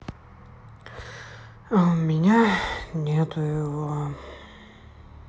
а у меня нету его